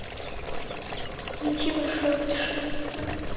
найти большое путешествие